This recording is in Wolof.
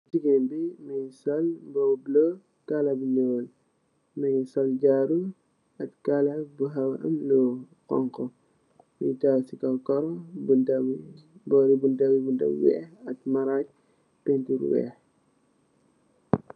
Jigeen bi mungi sul mboba bu bulah kala bu weex. Mungi sul jaro ak kala bu khawa am lu xonxo. Mungi takhaw ci kaw karo. Bunta bi bunta bu weex ak maraj paintur bu weex.